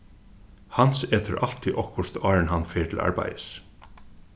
hans etur altíð okkurt áðrenn hann fer til arbeiðis